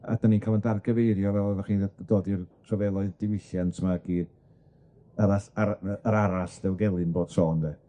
A 'dan ni'n ca'l 'yn dargyfeirio, fel oddach chi'n yy dod i'r rhyfeloedd diwylliant 'ma ag i'r , arall ar- yy yr arall ddilgelyn bob tro ynde.